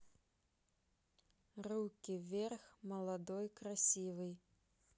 руки вверх молодой красивый